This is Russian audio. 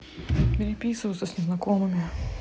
переписываться с незнакомыми